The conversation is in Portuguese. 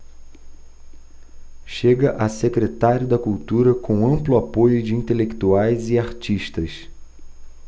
chega a secretário da cultura com amplo apoio de intelectuais e artistas